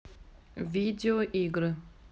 видеоигры